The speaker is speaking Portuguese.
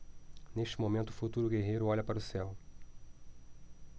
neste momento o futuro guerreiro olha para o céu